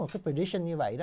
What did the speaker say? cái phờ lít sinh như vậy